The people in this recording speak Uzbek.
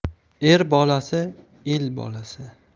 er bolasi el bolasi